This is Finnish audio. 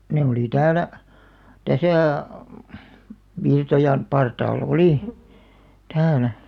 ne oli täällä tässä Virtojan partaalla oli täällä